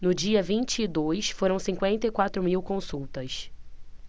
no dia vinte e dois foram cinquenta e quatro mil consultas